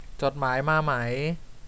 จดหมายมาไหม